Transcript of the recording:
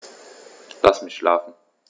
Lass mich schlafen